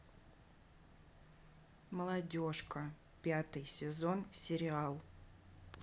молодежка пятый сезон сериал